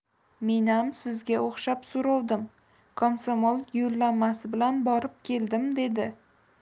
menam sizga o'xshab so'rovdim komsomol yo'llanmasi bilan borib keldim dedi